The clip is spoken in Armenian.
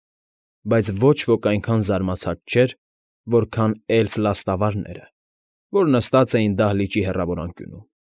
Բայց ոչ ոք այնքան զարմացած չէր, որքան էլֆ֊լաստավարները, որ նստած էին դահլիճի հեռավոր անկյունում։